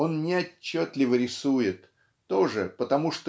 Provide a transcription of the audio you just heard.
он неотчетливо рисует -- тоже потому